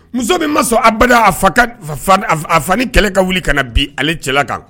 Muso min ma sɔn aba a a fa ni kɛlɛ ka wuli ka na bi ale cɛla kan